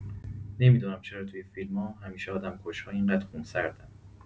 نمی‌دونم چرا توی فیلما همیشه آدم‌کش‌ها این‌قدر خونسردن.